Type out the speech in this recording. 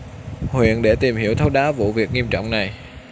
huyện để tìm hiểu thấu đáo vụ việc nghiêm trọng này